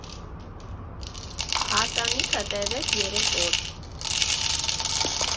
Հարսանիքը տևեց երեք օր։